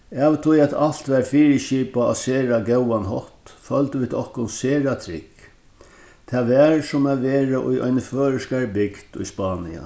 av tí at alt var fyriskipað á sera góðan hátt føldu vit okkum sera trygg tað var sum at vera í eini føroyskari bygd í spania